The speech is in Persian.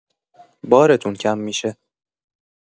بارتون کم می‌شه.